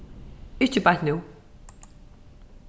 ikki beint nú